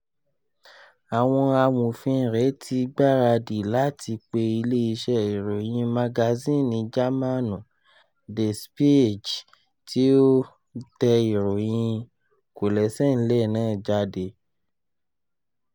Àwọn amòfin rẹ ti gbaradì láti pe ìlé iṣẹ́ ìròyìn magazínì Jámànù Der Spiege, tí ó tẹ ìròyìn kòlẹ̀ṣẹ̀ńlẹ̀ náà jáde.